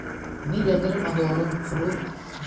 negadir madorim qurib